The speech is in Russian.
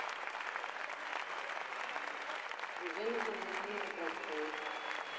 где напоминание про чай